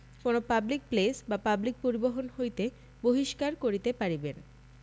কোন public place বা public পরিবহণ হইতে বহিষ্কার করিতে পারিবেন